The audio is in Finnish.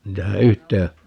niitähän yhteen